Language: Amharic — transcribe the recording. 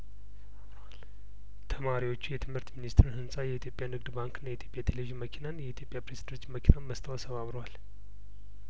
ተማሪዎቹ የትምህርት ሚኒስቴርን ህንጻ የኢትዮጵያ ንግድ ባንክን የኢትዮጵያ ቴሌቪዥንን መኪናን የኢትዮጵያ ፕሬስ ድርጅት መኪናን መስተዋት ሰባብረዋል